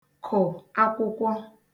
kụ̀ akwụkwọ